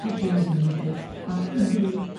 o bwyd yn lyfli a i fi